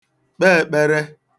kpe ēkpērē